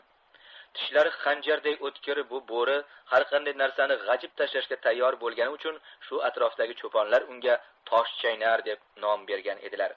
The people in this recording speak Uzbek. tishlari xanjarday o'tkir bu bo'ri har qanday narsani g'ajib tashlashga tayyor bo'lgani uchun shu atrofdagi cho'ponlar unga toshchaynar deb nom bergan edilar